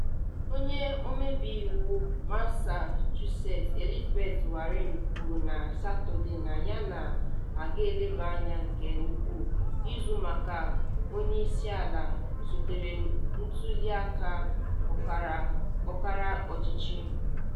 Onye ọmebe iwu Massachusettes Elizabeth Warren kwuru na Satọde na ya “ga-elebe anya nke ukwuu” ịzọ maka onye isi ala, sotere ntuli aka ọkara ọchịchị.